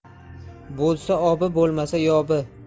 bo'lsa obi bo'lmasa yobi